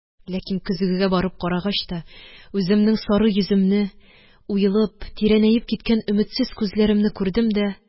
Ләкин көзгегә барып карагач та үземнең сары йөземне, уелып, тирәнәеп киткән өметсез күзләремне күрдем дә